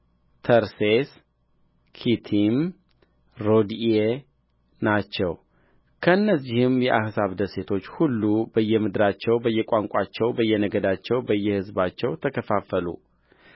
ተርሴስ ኪቲም ሮድኢ ናቸው ከእነዚህም የአሕዛብ ደሴቶች ሁሉ በየምድራቸው በየቋንቋቸው በየነገዳቸው በየሕዝባቸው ተከፋፈሉ